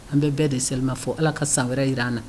An bɛɛ bɛɛ de selima fɔ ala ka san wɛrɛ jirar an na